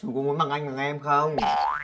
chú có muốn bằng anh bằng em không